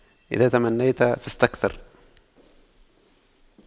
إذا تمنيت فاستكثر